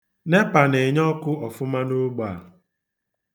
NEPA na-enye ọkụ ọfụma n'ogbe a.